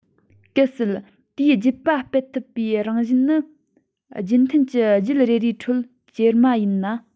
གལ སྲིད དེའི རྒྱུད པ སྤེལ ཐུབ པའི རང བཞིན དེ རྒྱུན མཐུད ཀྱི རྒྱུད རེ རེའི ཁྲོད ཇེ དམའ ཡིན ན